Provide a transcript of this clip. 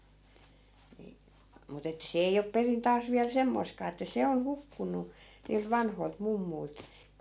niin mutta että se ei ole perin taas vielä semmoistakaan että se on hukkunut niiltä vanhoilta mummuilta